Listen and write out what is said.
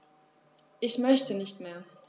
Ich möchte nicht mehr.